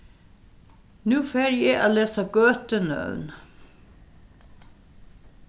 nú fari eg at lesa gøtunøvn